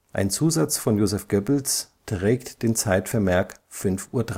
ein Zusatz von Joseph Goebbels trägt den Zeitvermerk 5:30 Uhr